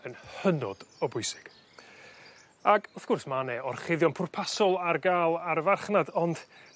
yn hynod o bwysig. Ac wrth gwrs ma' 'ne orchuddion pwrpasol ar ga'l ar y farchnad ond